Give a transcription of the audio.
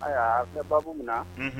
Ayiwa mɛ baa minna